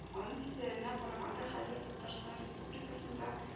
Аның сүзләренә караганда, хәзер Татарстан Республикасында